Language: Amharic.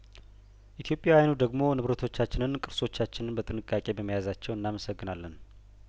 ኢትዮጵያውያኑ ደግሞ ንብረቶቻችንን ቅርሶቻችንን በጥንቃቄ በመያዛቸው እናመሰግናለን